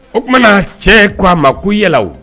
O tumaumana cɛ k ko' aa ma kou yala